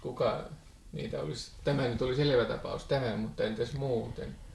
kuka niitä olisi - tämä nyt oli selvä tapaus tämä mutta entäs muuten